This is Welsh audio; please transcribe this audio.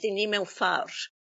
i ni mewn ffor